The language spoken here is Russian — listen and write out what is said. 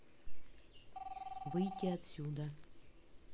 выйти отсюда